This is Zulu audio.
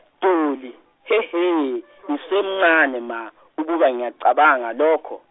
Dolly he he , ngisemncane ma ukuba ngingacabanga ngalokho.